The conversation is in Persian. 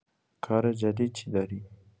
کار جدید چی داری؟